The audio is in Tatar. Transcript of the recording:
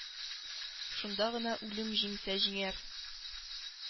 Шунда гына үлем җиңсә җиңәр,